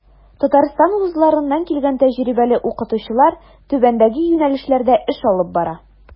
Татарстан вузларыннан килгән тәҗрибәле укытучылар түбәндәге юнәлешләрдә эш алып бара.